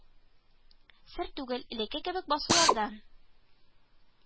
Сер түгел, элекке кебек басулардан